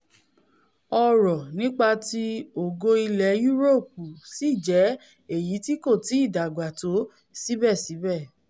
Ọ̀rọ̀ nípa ti ògo ilẹ̀ Yuroopù sì jẹ́ èyití kòtìí dàgbà tó síbẹ̀síbẹ̀.